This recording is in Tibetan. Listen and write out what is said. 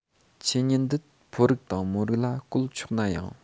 ཆོས ཉིད འདི ཕོ རིགས དང མོ རིགས ལ བཀོལ ཆོག ན ཡང